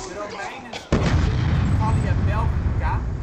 Romeinen stichtten in Gallia Belgica